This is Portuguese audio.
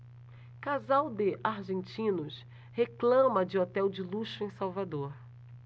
casal de argentinos reclama de hotel de luxo em salvador